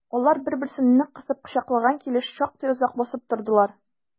Алар бер-берсен нык кысып кочаклаган килеш шактый озак басып тордылар.